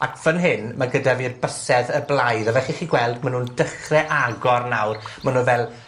Ac fan hyn ma' gyda fi'r bysedd y blaidd, a fel chi 'lly gweld, ma' nw'n dechre agor nawr. Ma' nw fel